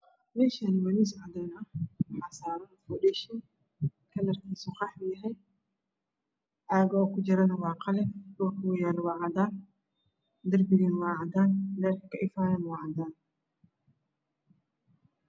Meshaan wa miis cadaana ah waxa sara fondheshin kalrkiisu uu qaxwi yaahy caaga uu ku jirana wa qalin dhulka uu yalo waa cadan darpiga wa cadaan leerka ifaayana wa cadaaan